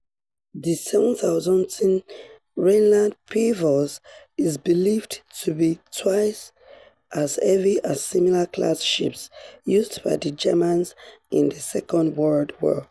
The 7,000-ton "Rheinland-Pfalz" is believed to be twice as heavy as similar-class ships used by the Germans in the Second World War.